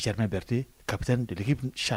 Mɛɛrɛte kapte ni deki san